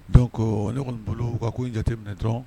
Don ko ne kɔni bolo ka ko n jateminɛ dɔrɔn